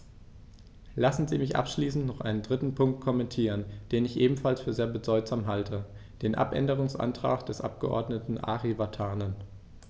Lassen Sie mich abschließend noch einen dritten Punkt kommentieren, den ich ebenfalls für sehr bedeutsam halte: den Abänderungsantrag des Abgeordneten Ari Vatanen.